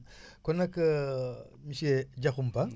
kon nga monsieur Diakhoumpa